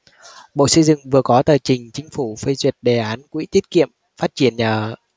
bộ xây dựng vừa có tờ trình chính phủ phê duyệt đề án quỹ tiết kiệm phát triển nhà ở